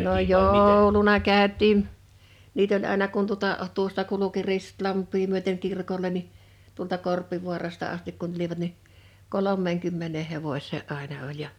no jouluna käytiin niitä oli aina kun tuota tuosta kulki Ristilampea myöten kirkolle niin tuolta Korpivaarasta asti kun tulivat niin kolmeenkymmeneen hevoseen aina oli ja